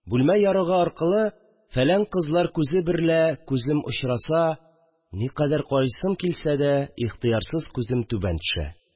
Бүлмә ярыгы аркылы «фәлән» кызлар күзе берлә күзем очраса, никадәр карыйсым килсә дә, ихтыярсыз күзем түбән төшә